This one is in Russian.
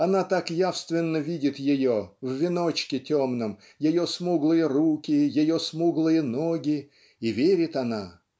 она так явственно видит ее в веночке темном ее смуглые руки ее смуглые ноги и верит она